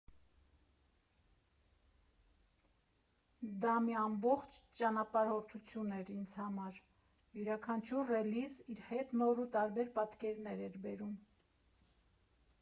Դա մի ամբողջ ճանապարհորդություն էր ինձ համար, յուրաքանչյուր ռելիզ իր հետ նոր ու տարբեր պատկերներ էր բերում»։